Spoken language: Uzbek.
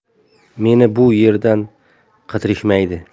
meni bu yerdan qidirishmaydi